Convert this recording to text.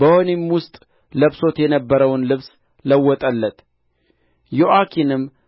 በወህኒም ውስጥ ለብሶት የነበረውን ልብስ ለወጠለት ዮአኪንም